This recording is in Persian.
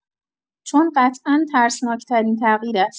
چون قطعا ترسناک‌ترین تغییر است.